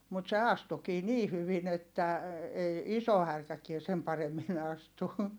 mutta se astuikin niin hyvin että ei iso härkäkään sen paremmin astu